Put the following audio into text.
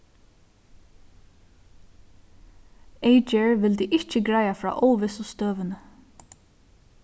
eyðgerð vildi ikki greiða frá óvissu støðuni